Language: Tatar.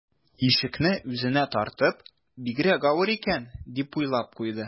Ишекне үзенә тартып: «Бигрәк авыр икән...», - дип уйлап куйды